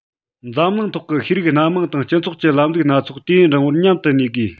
འཛམ གླིང ཐོག གི ཤེས རིག སྣ མང དང སྤྱི ཚོགས ཀྱི ལམ ལུགས སྣ ཚོགས དུས ཡུན རིང པོར མཉམ དུ གནས དགོས